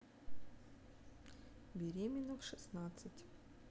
беременна в шестнадцать